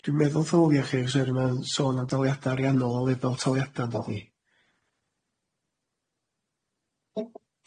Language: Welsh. Yym dwi'n meddwl ddylia chos 'herwydd ma'n sôn am daliada ariannol a lefel taliada yndydi.